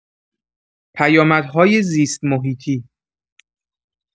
پیامدهای زیست‌محیطی